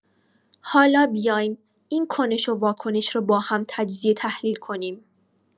حالا بیایم این کنش و واکنش رو باهم تجزیه تحلیل کنیم.